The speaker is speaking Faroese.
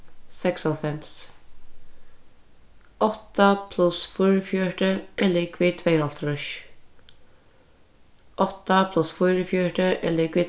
seksoghálvfems átta pluss fýraogfjøruti er ligvið tveyoghálvtrýss átta pluss fýraogfjøruti er ligvið